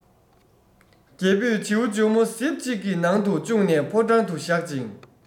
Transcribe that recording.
རྒྱལ པོས བྱིའུ འཇོལ མོ གཟེབ ཅིག གི ནང དུ བཅུག ནས ཕོ བྲང དུ བཞག ཅིང